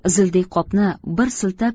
zildek qopni bir siltab